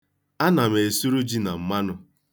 Ana m esuru ji na mmanụ.